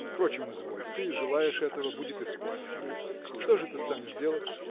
Впрочем, изволь; ты желаешь этого – будет исполнено. Что ж ты станешь делать?